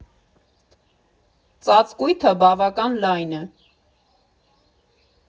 Ծածկույթը բավական լայն է։